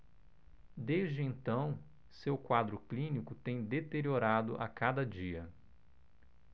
desde então seu quadro clínico tem deteriorado a cada dia